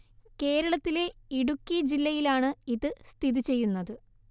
കേരളത്തിലെ ഇടുക്കി ജില്ലയിലാണ് ഇത് സ്ഥിതി ചെയ്യുന്നത്